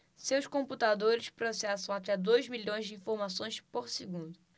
seus computadores processam até dois milhões de informações por segundo